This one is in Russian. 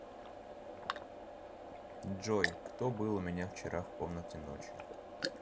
джой кто был у меня вчера в комнате ночью